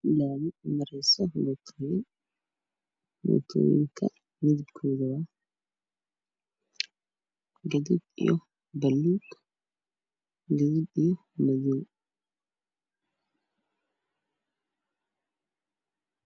Waa laami waxaa marayo bajaaj midabkeedu yahay gudahood waana suuq waxaa ka dambeeya dukaamo